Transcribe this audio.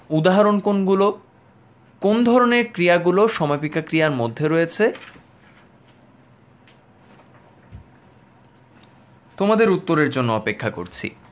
উদাহরণ কোনগুলো কোন ধরনের ক্রিয়া গুলো সমাপিকা ক্রিয়ার মধ্যে রয়েছে তোমাদের উত্তরের জন্য অপেক্ষা করছি